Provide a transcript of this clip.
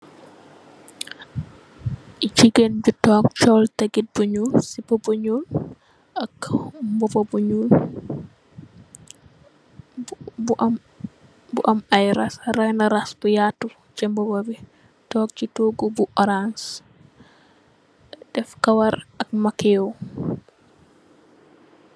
Jigen bu tok sol dagit bu nyul ak mbubaa bu nyul, bu am ai rass bu yatu si mbubaa bii, tog si togu bu orange, def kawar ak defi makiyeh.